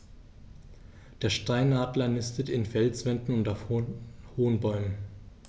Der Steinadler nistet in Felswänden und auf hohen Bäumen.